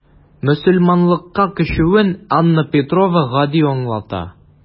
Мөселманлыкка күчүен Анна Петрова гади аңлата.